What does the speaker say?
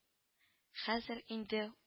Хәзер инде